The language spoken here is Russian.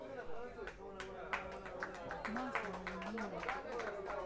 махова любимый